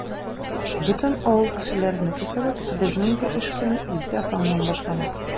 Бөтен авыл кешеләренеке кебек, безнең дә эш көне иртә таңнан башлана.